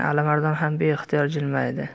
alimardon ham beixtiyor jilmaydi